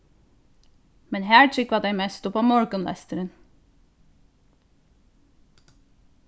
men har trúgva tey mest uppá morgunlesturin